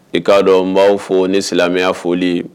I k'a dɔn n b'a fɔ ni silamɛya foli